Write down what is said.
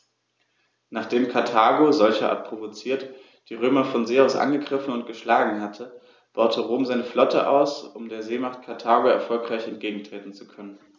Nachdem Karthago, solcherart provoziert, die Römer von See aus angegriffen und geschlagen hatte, baute Rom seine Flotte aus, um der Seemacht Karthago erfolgreich entgegentreten zu können.